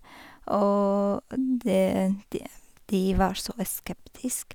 Og det de de var så skeptisk.